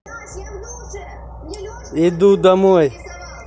иду домой